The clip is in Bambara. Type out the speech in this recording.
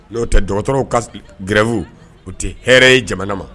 N'o tɛ dɔgɔtɔrɔw ka grève o tɛ hɛrɛ ye jamana ma